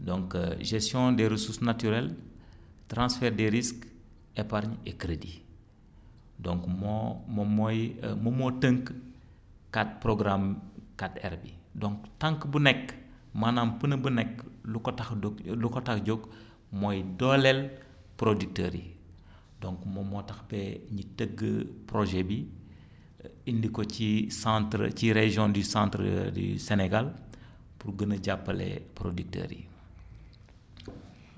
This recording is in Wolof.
donc gestion des ressources naturelles tansfert des risques épargne et crédit donc moo moom mooy moom moo tënk 4 programmes mu 4R bi donc tànk bu nekk maanaam pneu bu nekk lu ko tax a lu ko tax a jóg mooy dooleel producteurs yi donc moom moo tax be ñi tëgg projet bi indi ko ci centre ci région du centre du Sénégal pour gën a jàppale producteurs yi